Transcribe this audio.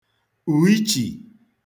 ùichì